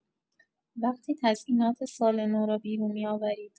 وقتی تزیینات سال‌نو را بیرون می‌آورید.